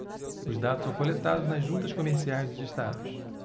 os dados são coletados nas juntas comerciais dos estados